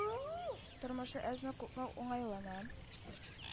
Тормышы әзме-күпме уңайлана,